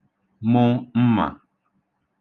mụ mmà